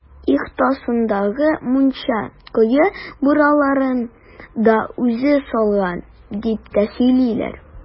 Ихатасындагы мунча, кое бураларын да үзе салган, дип тә сөйлиләр.